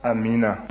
amiina